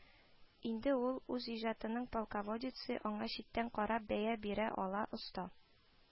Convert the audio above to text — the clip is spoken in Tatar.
Инде ул үз иҗатының «полководецы», аңа читтән карап бәя бирә ала, оста